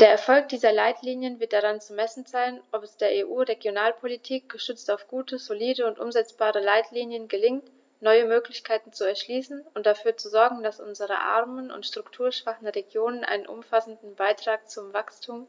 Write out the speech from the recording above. Der Erfolg dieser Leitlinien wird daran zu messen sein, ob es der EU-Regionalpolitik, gestützt auf gute, solide und umsetzbare Leitlinien, gelingt, neue Möglichkeiten zu erschließen und dafür zu sorgen, dass unsere armen und strukturschwachen Regionen einen umfassenden Beitrag zu Wachstum